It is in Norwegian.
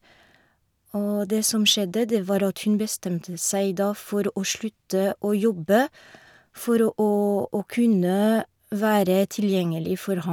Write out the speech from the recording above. Og det som skjedde, det var at hun bestemte seg da for å slutte å jobbe, for å å kunne være tilgjengelig for ham.